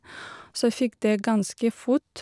Så fikk det ganske fort.